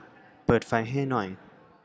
เปิดไฟให้หน่อย